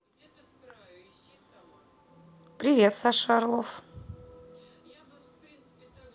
привет саша орлов